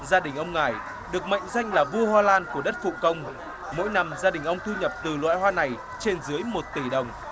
gia đình ông này được mệnh danh là vua hoa lan của đất phụng công mỗi năm gia đình ông thu nhập từ loại hoa này trên dưới một tỷ đồng